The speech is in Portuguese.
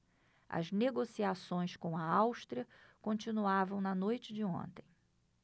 as negociações com a áustria continuavam na noite de ontem